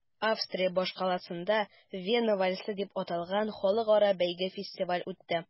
Австрия башкаласында “Вена вальсы” дип аталган халыкара бәйге-фестиваль үтте.